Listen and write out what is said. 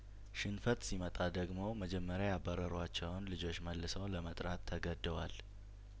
ሽንፈት ሲመጣ ደግሞ መጀመሪያ ያባረሯቸውን ልጆች መልሰው ለመጥራት ተገደዋል